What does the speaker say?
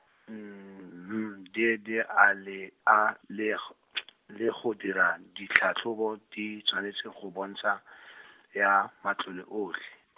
M D D A le a, le go , le go dira, ditlhatlhobo di tshwanetse go bontsha , ya, matlole otlhe.